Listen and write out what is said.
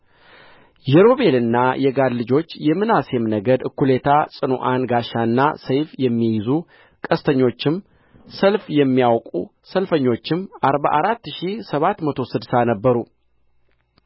የሮቤልና የጋድ ልጆች የምናሴም ነገድ እኵሌታ ጽኑዓን ጋሻና ሰይፍ የሚይዙ ቀስተኞችም ሰልፍ የሚያውቁ ሰልፈኞችም አርባ አራት ሺህ ሰባት መቶ ስድሳ ነበሩ